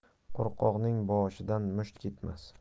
qo'rqoqning boshidan musht ketmas